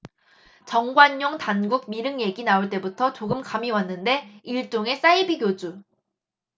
정관용 단군 미륵 얘기 나올 때부터 조금 감이 왔는데 일종의 사이비교주